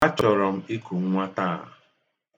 Achọrọ m iku nwa taa